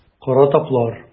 Кара таплар.